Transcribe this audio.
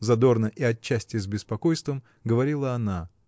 — задорно и отчасти с беспокойством говорила она.